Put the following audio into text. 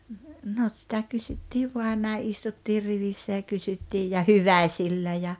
no sitä kysyttiin vain näin istuttiin rivissä ja kysyttiin ja hyväisillä ja